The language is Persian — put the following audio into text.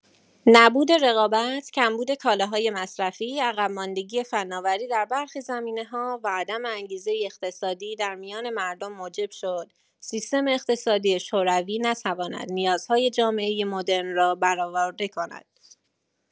نبود رقابت، کمبود کالاهای مصرفی، عقب‌ماندگی فناوری در برخی زمینه‌ها و عدم انگیزه اقتصادی در میان مردم موجب شد سیستم اقتصادی شوروی نتواند نیازهای جامعه مدرن را برآورده کند.